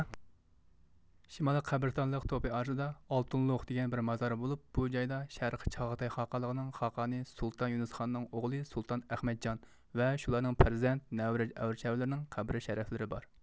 شىمالىي قەبرىستانلىق توپى ئارىسىدا ئالتۇنلۇق دېگەن بىر مازار بولۇپ بۇ جايدا شەرقىي چاغاتاي خاقانلىقىنىڭ خاقانى سۇلتان يۇنۇسخاننىڭ ئوغلى سۇلتان ئەخمەتخان ۋە شۇلارنىڭ پەرزەنت نەۋرە ئەۋرە چەۋرىلىرىنىڭ قەبرە شەرەفلىرى بار